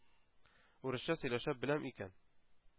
Урысча сөйләшә беләм икән,